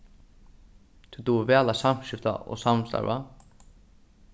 tú dugir væl at samskifta og samstarva